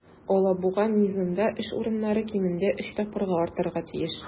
"алабуга" мизында эш урыннары кимендә өч тапкырга артарга тиеш.